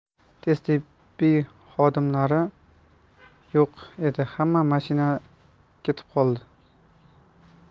tez tibbiy xodimlari yo'q edi hamma mashina ketib qoldi